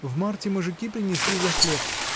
В марте мужики принесли за хлеб.